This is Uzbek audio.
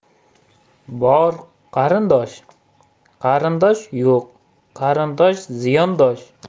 bor qarindosh qarindosh yo'q qarindosh ziyondosh